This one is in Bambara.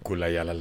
Ko lahiya